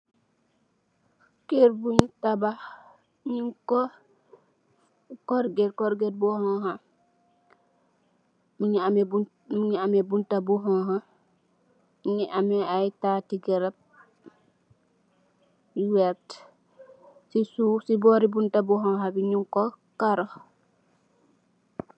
Kerr bunj tabaah nyungko korrget ,korrget bu hunha Mungi ameh bun Mungi ameh bunta bu hunha Mungi ameh i tati garab yu werteh sey suuf sey bori bunta bu hunha bi nyungko kaaro.